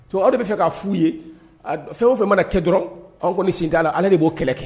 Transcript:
Aw de bɛ fɛ k'a f'u ye fɛn o fɛ mana kɛ dɔrɔn anw kɔni nin sin t' la ale de b'o kɛlɛ kɛ